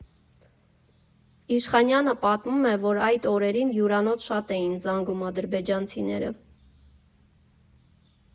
Իշխանյանը պատմում է, որ այդ օրերին հյուրանոց շատ էին զանգում ադրբեջանցիները.